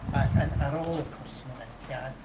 Ac yn... ar ôl y cwrs mynediad.